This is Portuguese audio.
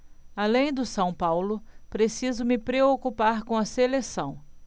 além do são paulo preciso me preocupar com a seleção